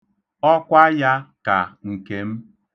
Okwa ya ka nke m.